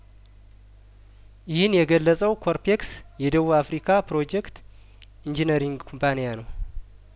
ይህን የገለጸው ኮርፔክስ የደቡብ አፍሪካው ፕሮጀክት ኢንጂነሪንግ ኩባንያነው